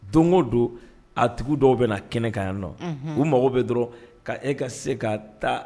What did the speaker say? Don o don a tugu dɔw bɛ na kɛnɛkan yan nɔ u mago bɛ dɔrɔn k' e ka se ka ta